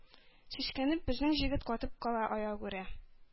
Сискәнеп, безнең Җегет катып кала аягүрә,